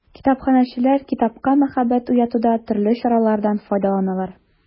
Китапханәчеләр китапка мәхәббәт уятуда төрле чаралардан файдаланалар.